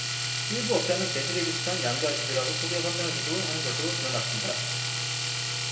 일부 업자는 재질이 비슷한 양 가죽이라고 속여 판매하기도 하는 것으로 드러났습니다